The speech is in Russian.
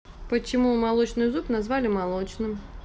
почему молочный зуб назвали молочным